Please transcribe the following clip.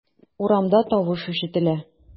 Урамда тавыш ишетелә.